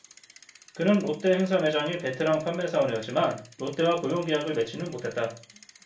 그는 롯데 행사매장의 베테랑 판매사원이었지만 롯데와 고용계약을 맺지는 못했다